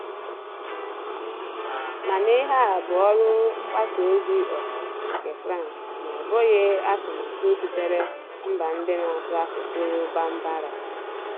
Mana ihe a bụ ọrụ mgbasa ozi ọha nke France ma ọ bụghị atụmatụ sitere mba ndị na-asụ asụsụ Bambara.